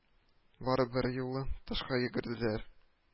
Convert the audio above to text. Бары берьюлы тышка йөгерделәр